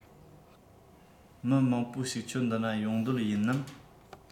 མི མང པོ ཞིག ཁྱོད འདི ན ཡོང འདོད ཡིན དམ